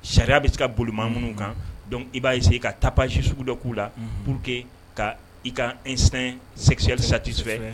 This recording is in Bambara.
Sariya bɛ se ka boliman minnu kan dɔn i b'a se ka tapsi sugu dɔ k'u la pur que ka i ka nsɛn sɛgsɛ satisɛ